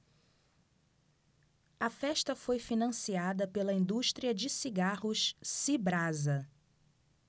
a festa foi financiada pela indústria de cigarros cibrasa